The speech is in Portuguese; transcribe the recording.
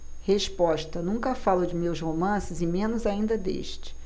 resposta nunca falo de meus romances e menos ainda deste